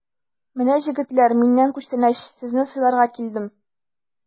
Менә, җегетләр, миннән күчтәнәч, сезне сыйларга килдем!